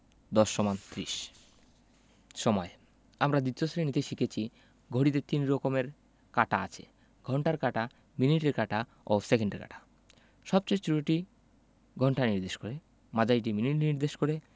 ১০ = ৩০ সময়ঃ আমরা ২য় শ্রেণিতে শিখেছি ঘড়িতে ৩ রকমের কাঁটা আছে ঘণ্টার কাঁটা মিনিটের কাঁটা ও সেকেন্ডের কাঁটা সবচেয়ে ছোটটি ঘন্টা নির্দেশ করে মাঝারিটি মিনিট নির্দেশ করে